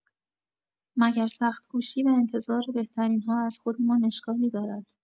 مگر سخت‌کوشی و انتظار بهترین‌ها از خودمان اشکالی دارد؟